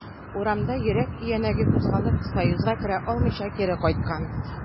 Урамда йөрәк өянәге кузгалып, союзга керә алмыйча, кире кайткан.